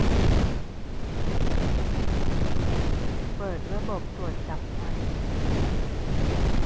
เปิดระบบตรวจจับควัน